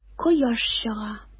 Кояш чыга.